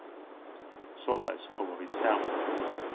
soleiðis komu vit saman